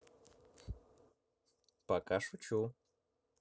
пока шучу